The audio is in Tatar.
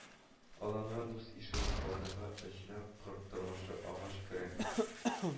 Алынган дус-ишенә каладагы оҗмах тормышы, агач көрәк